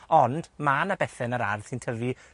ond ma' 'na bethe yn yr ardd sy'n tyfu